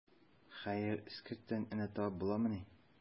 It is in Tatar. Хәер, эскерттән энә табып буламыни.